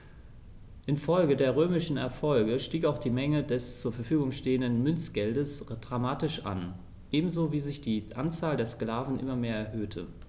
Infolge der römischen Erfolge stieg auch die Menge des zur Verfügung stehenden Münzgeldes dramatisch an, ebenso wie sich die Anzahl der Sklaven immer mehr erhöhte.